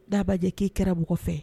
Dabajɛ k'i kɛraɔgɔ kɔfɛ